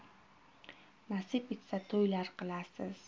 nasib etsa to'ylar qilasiz